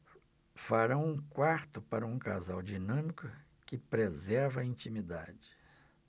farão um quarto para um casal dinâmico que preserva a intimidade